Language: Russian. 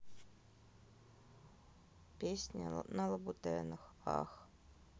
песня на лабутенах ах